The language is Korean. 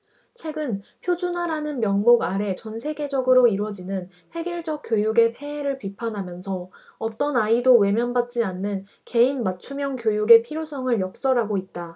책은 표준화라는 명목 아래 전세계적으로 이뤄지는 획일적 교육의 폐해를 비판하면서 어떤 아이도 외면 받지 않는 개인 맞춤형 교육의 필요성을 역설하고 있다